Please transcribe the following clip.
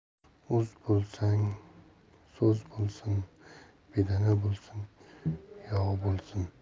oz bo'lsin soz bo'lsin bedana bo'lsin yog' bo'lsin